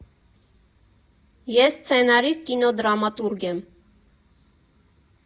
Ես սցենարիստ, կինոդրամատուրգ եմ։